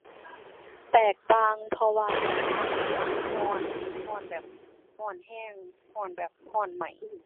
แตกต่าง เพราะว่าภาคอีสานร้อน ร้อนแบบ ร้อนร้อน ร้อนแบบ ร้อนไหม้